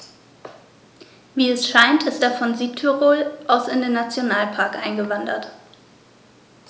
Wie es scheint, ist er von Südtirol aus in den Nationalpark eingewandert.